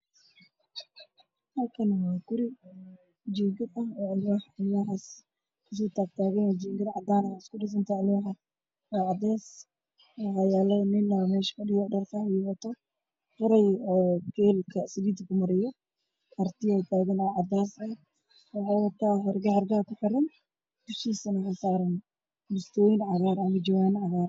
Halkaan waxaa ka muuqdo geel dhabarka rar kor ka saaran waxa uu ku wareegsanayaa mesha ninka fanaanad qabo uu taagan yahay